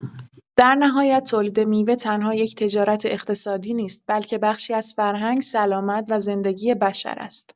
در نهایت، تولید میوه تنها یک تجارت اقتصادی نیست بلکه بخشی از فرهنگ، سلامت و زندگی بشر است.